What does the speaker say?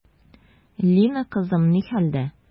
Лина кызым ни хәлдә?